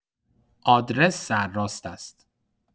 آدرس سرراست است.